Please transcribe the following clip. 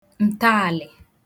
ǹtọàlị̀